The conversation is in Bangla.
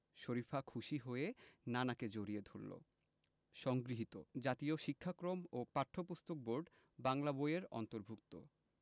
শরিফা খুশি হয়ে নানাকে জড়িয়ে ধরল সংগৃহীত জাতীয় শিক্ষাক্রম ও পাঠ্যপুস্তক বোর্ড বাংলা বই এর অন্তর্ভুক্ত